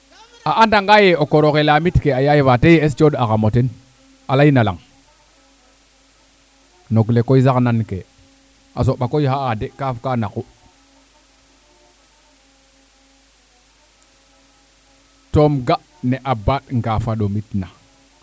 a anda nga ye o koroxe laamit ke a yaay fa te ye'es coxaxamo ten a leyna laŋ nog le sax nan ke a soɓa koy xa'a de kaaf ka naku to um ga ne a baaɗ ngaaf ɗomit na